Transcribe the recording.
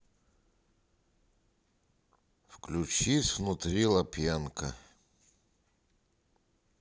включить внутри лапенко